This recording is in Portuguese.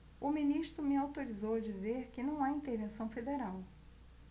o ministro me autorizou a dizer que não há intervenção federal